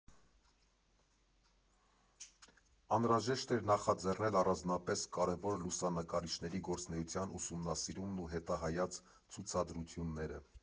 Անհրաժեշտ էր նախաձեռնել առանձնապես կարևոր լուսանկարիչների գործունեության ուսումնասիրումն ու հետահայաց ցուցադրությունները։